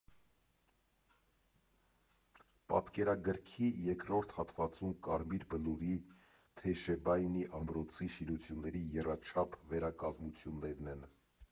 Պատկերագրքի երկրոդ հատվածում Կարմիր Բլուրի՝ Թեյշեբաինի ամրոցի շինությունների եռափաչ վերակազմություններն են։